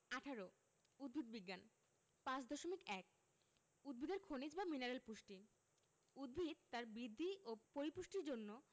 ১৮ উদ্ভিদ বিজ্ঞান ৫.১ উদ্ভিদের খনিজ বা মিনারেল পুষ্টি উদ্ভিদ তার বৃদ্ধি ও পরিপুষ্টির জন্য